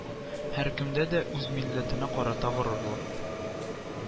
Һәркемдә дә үз милләтенә карата горурлык